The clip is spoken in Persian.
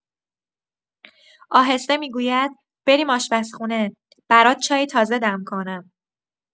آهسته می‌گوید: «بریم آشپزخونه، برات چای تازه دم کنم.»